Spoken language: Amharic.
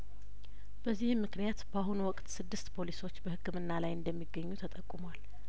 በዚህም ምክንያት በአሁኑ ወቅት ስድስት ፖሊሶች በህክምና ላይ እንደሚገኙ ተጠቁሟል